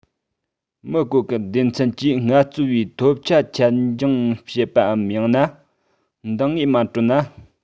མི བཀོལ མཁན སྡེ ཚན གྱིས ངལ རྩོལ པའི ཐོབ ཆ ཆད འགྱངས བྱེད པའམ ཡང ན འདང ངེས མ སྤྲོད ན